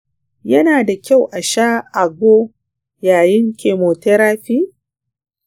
yana da kyau a sha agbo yayin chemotherapy?